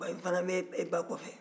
bayon fana bɛ ba kɔfɛ